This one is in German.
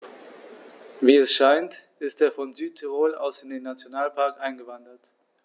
Wie es scheint, ist er von Südtirol aus in den Nationalpark eingewandert.